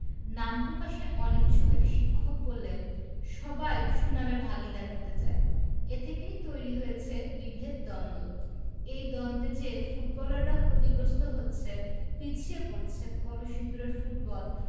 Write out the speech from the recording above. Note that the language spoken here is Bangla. নাম প্রকাশে অনিচ্ছুক এক শিক্ষক বললেন সবাই সুনামের ভাগীদার হতে চায় এ থেকেই তৈরি হয়েছে বিভেদ দ্বন্দ্ব এই দ্বন্দ্বে যে ফুটবলাররা ক্ষতিগ্রস্ত হচ্ছে পিছিয়ে পড়ছে কলসিন্দুরের ফুটবল